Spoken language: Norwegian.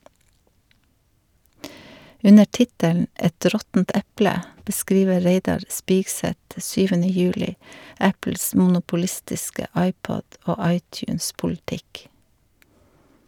Under tittelen "Et råttent eple" beskriver Reidar Spigseth 7. juli Apples monopolistiske iPod- og iTunes-politikk.